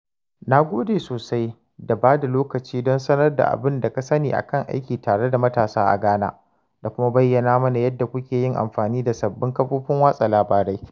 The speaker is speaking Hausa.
Na gode sosai da bada lokaci don sanar da abin da ka sani akan aiki tare da matasa a Ghana da kuma bayyana mana yadda kuke yin amfani da sabbin kafofin watsa labarai.